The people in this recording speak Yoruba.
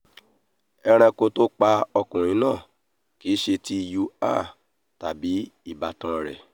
Ẹranko tí ó pa ọkùnrin náà kìí ṣe ti Yuan tàbí ìbátan rẹ̀.